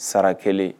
Sara kɛlen